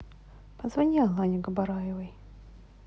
позвони алане габараевой